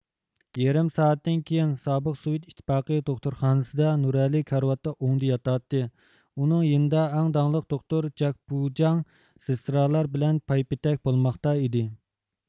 يېرىم سائەتتىن كېيىن سابىق سوۋېت ئىتتىپاقى دوختۇرخانىسىدا نۇرئەلى كارىۋاتتا ئوڭدا ياتاتتى ئۇنىڭ يېنىدا ئەڭ داڭلىق دوختۇر جاكبۇجاڭ سېستىرالار بىلەن پايپېتەك بولماقتا ئىدى